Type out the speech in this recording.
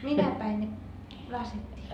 minä päivänä ne laskettiin